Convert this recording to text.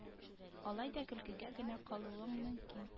Алай да көлкегә генә калуың мөмкин